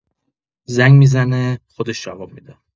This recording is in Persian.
زنگ می‌زنه خودش جواب می‌ده